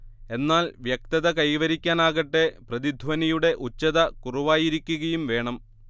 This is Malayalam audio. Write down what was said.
എന്നാൽ വ്യക്തത കൈവരിക്കാനാകട്ടെ പ്രതിധ്വനിയുടെ ഉച്ചത കുറവായിരിക്കുകയും വേണം